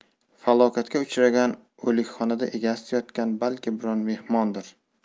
falokatga uchragan o'likxonada egasiz yotgan balki biron mehmondir